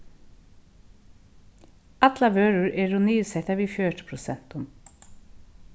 allar vørur eru niðursettar við fjøruti prosentum